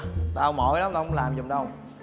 tao mỏi lắm tao không làm giùm đâu